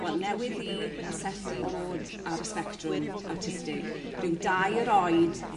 wel newydd 'u hasesu i fod ar y sbectrwm awtistig rhyw dair oed